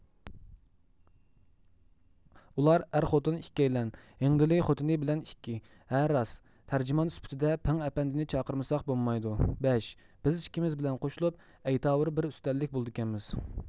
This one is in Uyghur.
ئۇلار ئەر خوتۇن ئىككىيلەن ھېڭدېلى خوتۇنى بىلەن ئىككى ھەر راست تەرجىمان سۈپىتىدە پېڭ ئەپەندىنى چاقىرمىساق بولمايدۇ بەش بىز ئىككىمىز بىلەن قوشۇلۇپ ئەيتاۋۇر بىر ئۈستەللىك بولىدىكەنمىز